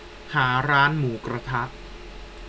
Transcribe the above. หาร้านหมูกระทะ